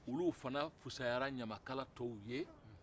olu fɛnɛ fisayara ɲamakala tɔw ye